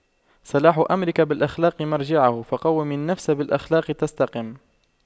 صلاح أمرك بالأخلاق مرجعه فَقَوِّم النفس بالأخلاق تستقم